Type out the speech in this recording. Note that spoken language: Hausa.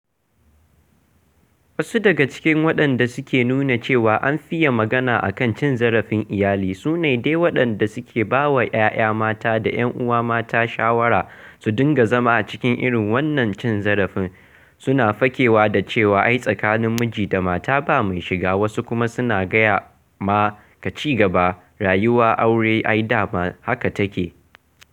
Wasu daga cikin waɗanda suke … nuna cewa an fiye [magana a kan cin zarafin iyali], su ne dai waɗanda suke ba wa 'ya'ya mata da 'yan'uwa mata shawarar su dinga zama a cikin irin wannan cin zarafi, suna fakewa da cewa ai tsakanin miji da mata ba mai shiga, wasu kuma suna gaya ma ka cigaba, rayuwar aure ai dama haka take...